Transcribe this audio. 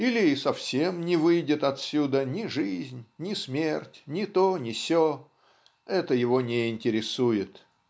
или и совсем не выйдет отсюда ни жизнь, ни смерть, ни то, ни се это его не интересует.